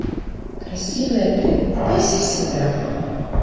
красивая ты улыбайся всегда